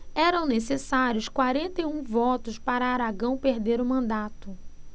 eram necessários quarenta e um votos para aragão perder o mandato